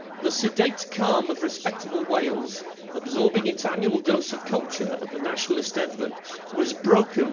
The sedate calm of respectable Wales absorbing its annual dose of culture at the National Eisteddfod was broken